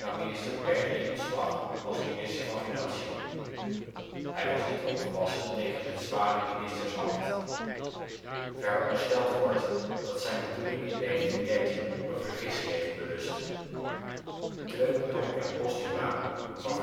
minister Bertling ontslag als minister van Financiën. Hij was niet opgewassen tegen het zware ministersambt. Verondersteld wordt dat zijn benoeming in 1913 op een vergissing heeft berust. Treub nam Financiën over en Posthuma, van verzekeringsmaatschappij